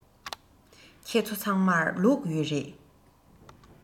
ཁྱེད ཚོ ཚང མར ལུག ཡོད རེད